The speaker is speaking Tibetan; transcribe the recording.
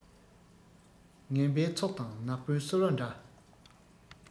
ངན པའི ཚོགས དང ནག པོའི སོལ བ འདྲ